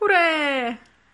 Hwre.